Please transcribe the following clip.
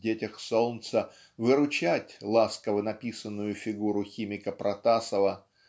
в "Детях солнца" выручать ласково написанную фигуру химика Протасова